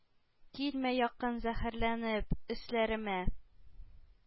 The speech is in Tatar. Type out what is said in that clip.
«килмә якын зәһәрләнеп өсләремә!